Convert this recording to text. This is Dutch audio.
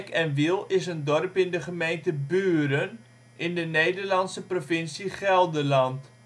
en Wiel is een dorp in de gemeente Buren, in de Nederlandse provincie Gelderland